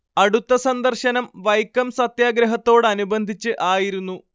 അടുത്ത സന്ദർശനം വൈക്കം സത്യാഗ്രഹത്തോടനുബന്ധിച്ച് ആയിരുന്നു